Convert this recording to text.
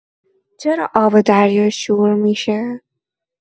چرا آب دریا شور می‌شه؟